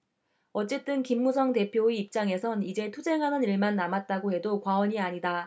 어쨌든 김무성 대표의 입장에선 이제 투쟁하는 일만 남았다고 해도 과언이 아니다